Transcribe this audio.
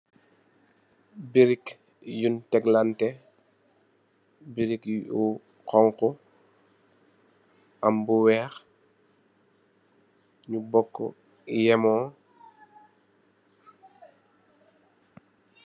Birek yun teklan teh birek yu khonkho amm bu wheh nyu borku yehmor.